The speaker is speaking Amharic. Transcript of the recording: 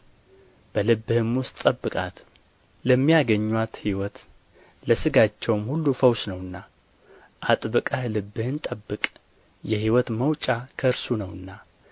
በልብህም ውስጥ ጠብቃት ለሚያገኙአት ሕይወት ለሥጋቸውም ሁሉ ፈውስ ነውና አጥብቀህ ልብህን ጠብቅ የሕይወት መውጫ ከእርሱ ነውና